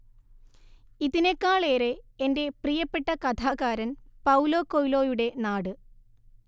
ഇതിനേക്കാളേറെ എന്റെ പ്രിയപ്പെട്ട കഥാകാരൻ പൌലോ കൊയ്ലോയുടെ നാട്